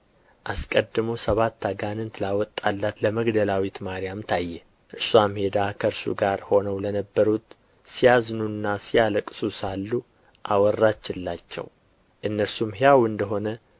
አስቀድሞ ሰባት አጋንንት ላወጣላት ለመግደላዊት ማርያም ታየ እርስዋ ሄዳ ከእርሱ ጋር ሆነው ለነበሩት ሲያዝኑና ሲያለቅሱ ሳሉ አወራችላቸው እነርሱም ሕያው እንደ ሆነ